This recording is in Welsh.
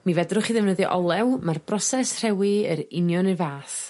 Mi fedrwch hi ddefnyddio olew ma'r broses rhewi yr union 'r un fath.